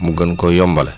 mu gën koo yombal